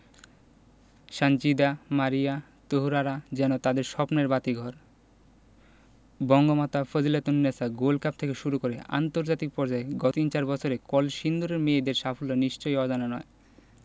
সানজিদা মারিয়া তহুরারা যেন তাদের স্বপ্নের বাতিঘর বঙ্গমাতা ফজিলাতুন্নেছা গোল্ড কাপ থেকে শুরু করে আন্তর্জাতিক পর্যায়ে গত তিন চার বছরে কলসিন্দুরের মেয়েদের সাফল্য নিশ্চয়ই অজানা নয়